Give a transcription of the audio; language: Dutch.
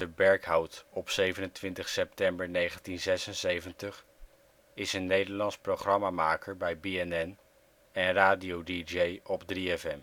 Berkhout, 27 september 1976) is een Nederlands programmamaker bij BNN en radio-dj op 3FM